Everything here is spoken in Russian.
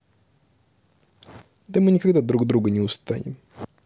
да мы никогда друг друга не устаем